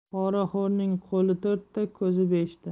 poraxo'rning qo'li to'rtta ko'zi beshta